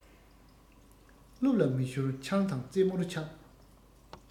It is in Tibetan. སློབ ལ མི ཞོལ ཆང དང རྩེད མོར ཆགས